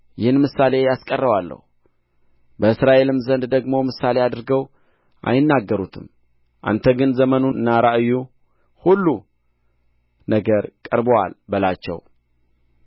ይህን ምሳሌ አስቀረዋለሁ በእስራኤልም ዘንድ ደግሞ ምሳሌ አድርገው አይናገሩትም አንተ ግን ዘመኑና የራእዩ ሁሉ ነገር ቀርቦአል በላቸው